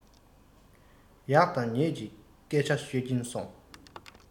ཡག དང ཉེས ཀྱི སྐད ཆ ཤོད ཀྱིན སོང